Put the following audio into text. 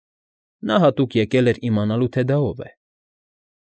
Նա հատուկ եկել էր իմնալաու, թե դա ով է։